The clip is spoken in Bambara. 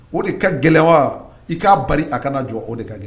O de ka gɛlɛn wa i k'a ba a kana jɔ o de ka gɛlɛn